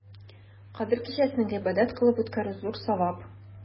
Кадер кичәсен гыйбадәт кылып үткәрү зур савап.